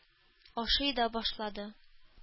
Ашый да башлады.